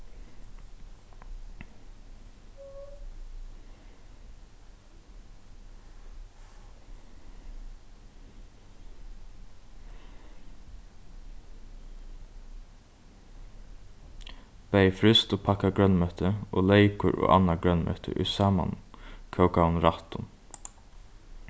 bæði fryst og pakkað grønmeti og leykur og annað grønmeti í samankókaðum rættum